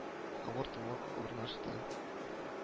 Авыр тынлык урнашты